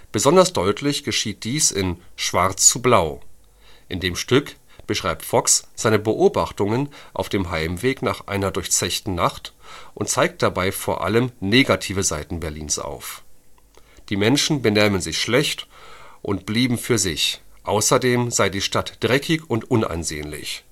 Besonders deutlich geschieht dies in Schwarz zu blau: In dem Stück beschreibt Fox seine Beobachtungen auf dem Heimweg nach einer durchzechten Nacht und zeigt dabei vor allem die negativen Seiten Berlins auf. Die Menschen benähmen sich schlecht und blieben für sich, außerdem sei die Stadt dreckig und unansehnlich